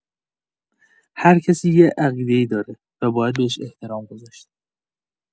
هر کسی یه عقیده‌ای داره و باید بهش احترام گذاشت.